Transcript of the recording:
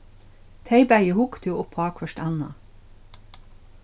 tey bæði hugdu upp á hvørt annað